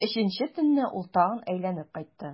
Өченче төнне ул тагын әйләнеп кайтты.